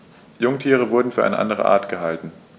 Jungtiere wurden für eine andere Art gehalten.